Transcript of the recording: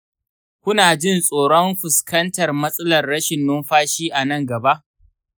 kuna jin tsoron fuskantar matsalar rashin numfashi a nan gaba?